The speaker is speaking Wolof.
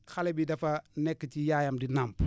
xale bi dafa nekk ci yaayam di nàmp